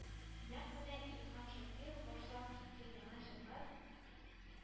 Нәкъ менә илһам шакиров башлап җырлаган җырлар